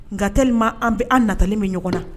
Nkatɛlima an bɛ an natali min ɲɔgɔn na